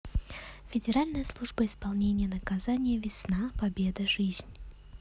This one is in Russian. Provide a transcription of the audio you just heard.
федеральная служба исполнения наказания весна победа жизнь